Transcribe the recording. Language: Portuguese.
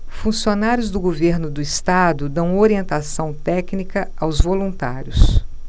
funcionários do governo do estado dão orientação técnica aos voluntários